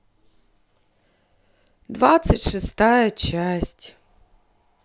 двадцать шестая часть